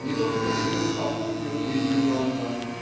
Не только жил Апухтин уединенно